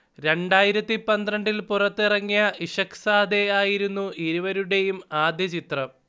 രണ്ടായിരത്തിപ്പന്ത്രണ്ടിൽ പുറത്തിറങ്ങിയ ഇഷ്ഖ്സാദെ ആയിരുന്നു ഇരുവരുടെയും ആദ്യ ചിത്രം